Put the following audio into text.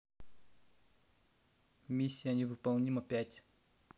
миссия невыполнима пять